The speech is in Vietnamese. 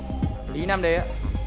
lý nam đế